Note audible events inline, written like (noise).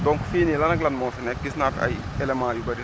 donc fii nii lan ak lan moo fi nekk gis naa fi ay éléments yu bëri (noise)